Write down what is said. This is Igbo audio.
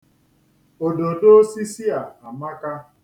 Òdòdo osisi a amaka.